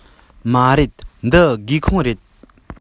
མ རེད འདི སྒེའུ ཁུང རེད